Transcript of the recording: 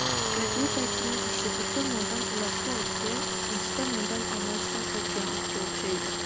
gazetachining ishi bir tomondan uloqchi otga ikkinchi tomondan omoch tortadigan otga o'xshaydi